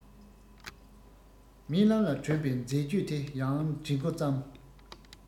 རྨི ལམ ལ བྲོད པའི མཛེས དཔྱོད དེ ཡང བྲི འགོ བརྩམས